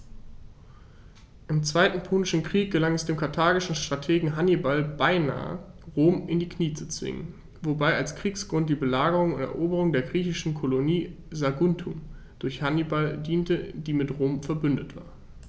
Im Zweiten Punischen Krieg gelang es dem karthagischen Strategen Hannibal beinahe, Rom in die Knie zu zwingen, wobei als Kriegsgrund die Belagerung und Eroberung der griechischen Kolonie Saguntum durch Hannibal diente, die mit Rom „verbündet“ war.